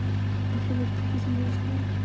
афина ты безмозглая